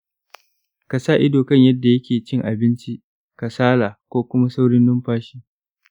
ka sa ido kan yadda yake cin abinci kasala, ko kuma saurin numfashi